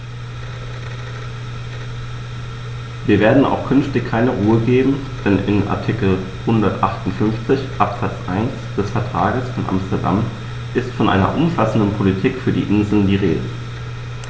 Wir werden auch künftig keine Ruhe geben, denn in Artikel 158 Absatz 1 des Vertrages von Amsterdam ist von einer umfassenden Politik für die Inseln die Rede.